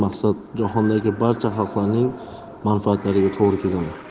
barcha xalqlarning manfaatlariga to'g'ri keladi